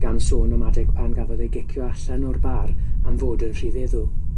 gan sôn am adeg pan gafodd ei gicio allan o'r bar am fod yn rhy feddw.